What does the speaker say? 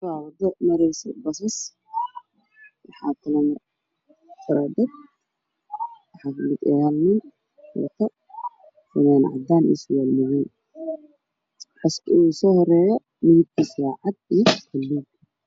Waa basas waddada marayo waxaa kaloo maraayo dad waxaa ka mid ah nin wata macwiis shaati cadahay basaska midka usoo horeeyo midabkiisu waa buluuq cadaan